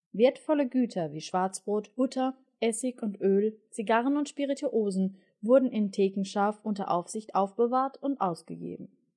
Wertvolle Güter wie Schwarzbrot, Butter, Essig und Öl, Zigarren und Spirituosen wurden im Thekenschaaf unter Aufsicht aufbewahrt und ausgegeben